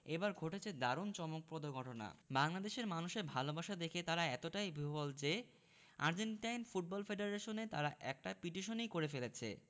এবার ঘটেছে দারুণ চমকপ্রদ ঘটনা বাংলাদেশের মানুষের ভালোবাসা দেখে তারা এতটাই বিহ্বল যে আর্জেন্টাইন ফুটবল ফেডারেশনে তারা একটা পিটিশনই করে ফেলেছে